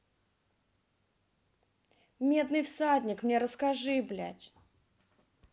медный всадник мне расскажи блядь